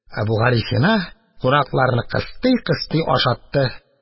Әбүгалисина кунакларны кыстый-кыстый ашатты: